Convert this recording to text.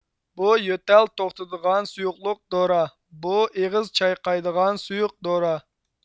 بۇ يۆتەل توختىتىدىغان سۇيۇقلۇق دورا بۇ ئېغىز چايقايدىغان سۇيۇق دورا